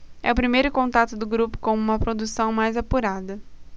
é o primeiro contato do grupo com uma produção mais apurada